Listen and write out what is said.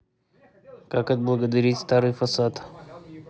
как облагородить старый фасад